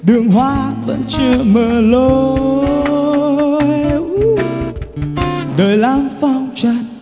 đường hoa vẫn chưa mở lối đời lắm phong trần